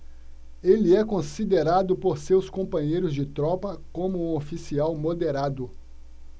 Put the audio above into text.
ele é considerado por seus companheiros de tropa como um oficial moderado